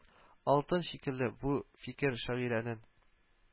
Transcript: Алтын шикелле, бу фикер шагыйрәнең